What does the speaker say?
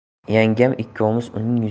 yangam ikkovimiz uning yuziga